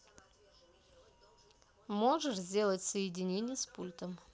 можешь сделать соединение с пультом